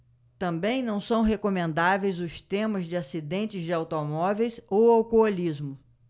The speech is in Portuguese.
também não são recomendáveis os temas de acidentes de automóveis ou alcoolismo